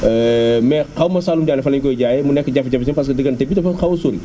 mais xaw ma Saalum Diané fan lañ koy jaayee mu nekk jafe-jafe parce que diggante bi dafa xaw a sori